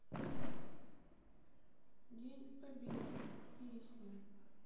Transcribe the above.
день победы песня